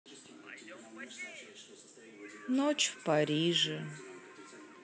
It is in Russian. ночь в париже